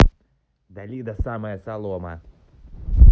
dalida самая солома